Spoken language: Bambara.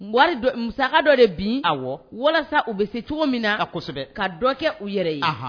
Wari musa dɔ de bɛ a walasa u bɛ se cogo min na a kosɛbɛ ka dɔ kɛ u yɛrɛ ye